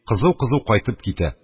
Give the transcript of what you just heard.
Кызу-кызу кайтып китә,